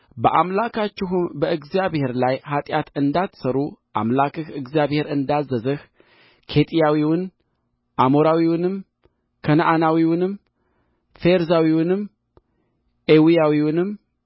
በአምላካችሁም በእግዚአብሔር ላይ ኃጢአት እንዳትሠሩ አምላክህ እግዚአብሔር እንዳዘዘህ ኬጢያዊውን አሞራዊውንም ከነዓናዊውንም ፌርዛዊውንም ኤዊያዊውንም